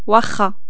واخا